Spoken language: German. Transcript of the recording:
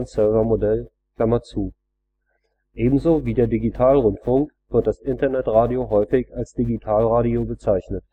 Client-Server-Modell). Ebenso wie der Digitalrundfunk wird das Internetradio häufig als Digitalradio bezeichnet